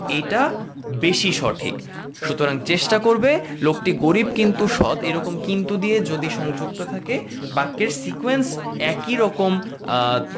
এটা বেশি সঠিক সুতরাং চেষ্টা করবে লোকটি গরিব কিন্তু সৎ এরকম কিন্তু দিয়ে যদি সংযুক্ত থাকে বাক্যের সিকোয়েন্স একই রকম